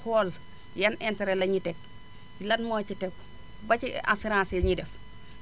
xool yan interet lañuy teg lan moo ci teg ba ci assurances yi ñuy def